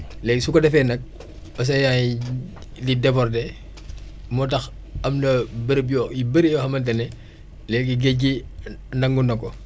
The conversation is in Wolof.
léegi su ko defee nag océeans yi di déborder moo tax am na bërëb yoo yu bëri yoo xamante ne léegi géej gi nangu na ko